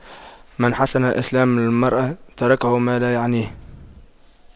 من حسن إسلام المرء تَرْكُهُ ما لا يعنيه